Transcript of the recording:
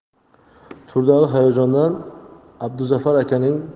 turdiali hayajondan abduzafar akaning